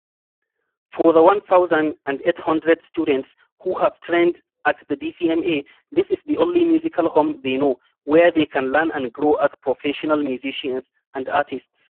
For the 1,800 students who have trained at the DCMA, this is the only musical home they know, where they can learn and grow as professional musicians and artists.